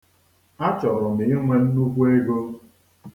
A chọrọ m ịnwe nnukwu ego.